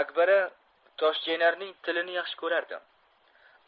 akbara toshchaynarning tilini yaxshi ko'rardi